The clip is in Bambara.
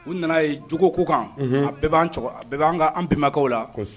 U nana ye jo ko kan a'an bɛɛ b' ka an bɛnbakɛ la